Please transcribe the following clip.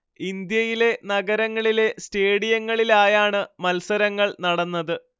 ഇന്ത്യയിലെ നഗരങ്ങളിലെ സ്റ്റേഡിയങ്ങളിലായാണ് മത്സരങ്ങൾ നടന്നത്